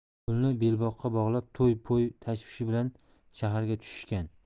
pulni belboqqa bog'lab to'y po'y tashvishi bilan shaharga tushishgan